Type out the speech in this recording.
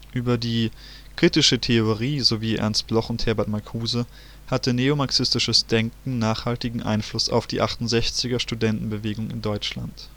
in Europa. Über die Kritische Theorie sowie Ernst Bloch und Herbert Marcuse hatte neomarxistisches Denken nachhaltigen Einfluss auf die 68er Studentenbewegung in Deutschland